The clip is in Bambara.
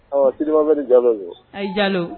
Aw teribaa wɛrɛ ja don a janlo